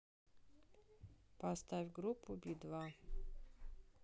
поставь группу би два